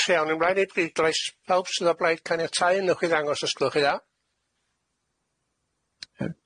Felly awn ni mlaen i bleidlais pawb sydd o blaid caniatáu newch chi ddangos os gwelwch chi'n dda?